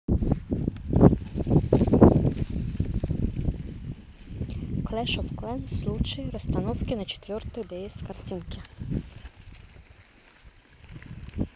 clash of clans лучшие расстановки на четвертый дс картинки